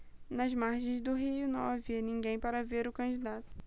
nas margens do rio não havia ninguém para ver o candidato